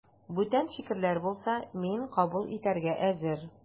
Бүтән фикерләр булса, мин кабул итәргә әзер.